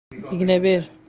igna ber